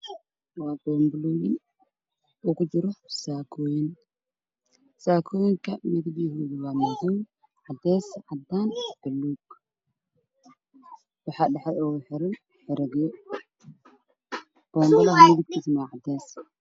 Waa carwo waxaa lagu iibiyaa dharka dumarka waxay ka kooban yihiin gaduud caddaan buluug wal caddaalad iyo saryihiin